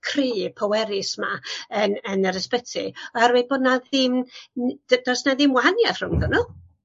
cry powerus 'ma yn yn yr ysbyty o herwydd bo' 'na ddim n- d- does 'na ddim wahaniath rhwngddo n'w.